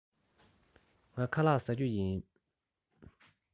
ངས ཁ ལག བཟས མེད